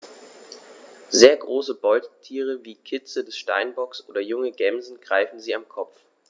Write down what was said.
Sehr große Beutetiere wie Kitze des Steinbocks oder junge Gämsen greifen sie am Kopf.